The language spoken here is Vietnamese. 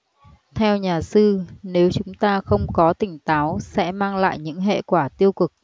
theo nhà sư nếu chúng ta không có tỉnh táo sẽ mang lại những hệ quả tiêu cực